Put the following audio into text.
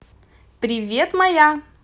привет моя